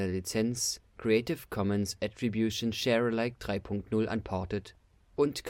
Lizenz Creative Commons Attribution Share Alike 3 Punkt 0 Unported und